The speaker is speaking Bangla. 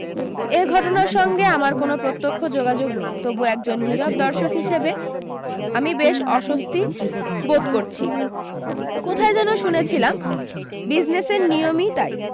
এই ঘটনার সঙ্গে আমার কোনো প্রত্যক্ষ যোগাযোগ নেই তবু একজন নীরব দর্শক হিসাবে আমি বেশ অস্বস্তি বোধ করছি কোথায় যেন শুনেছিলাম বিজনেসের নিয়মি তাই